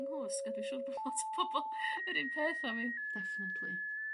'nghwsg a dwi siwr bo' lot o pobol yr un peth â fi. Definitely.